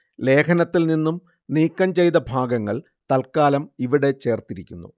ലേഖനത്തില്‍ നിന്നും നീക്കം ചെയ്ത ഭാഗങ്ങള്‍ തല്‍ക്കാലം ഇവിടെ ചേര്‍ത്തിരിക്കുന്നു